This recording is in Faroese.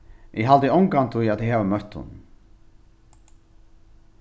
eg haldi ongantíð at eg havi møtt honum